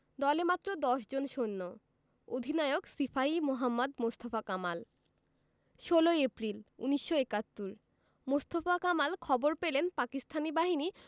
দলে মাত্র দশজন সৈন্য অধিনায়ক সিপাহি মোহাম্মদ মোস্তফা কামাল ১৬ এপ্রিল ১৯৭১ মোস্তফা কামাল খবর পেলেন পাকিস্তানি বাহিনী